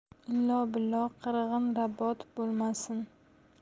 illo billo qirg'inbarot bo'lmasin